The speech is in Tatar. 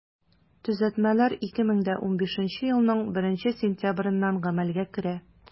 Төзәтмәләр 2015 елның 1 сентябреннән гамәлгә керә.